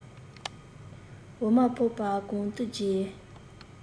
འོ མ ཕོར པ གང ལྡུད རྗེས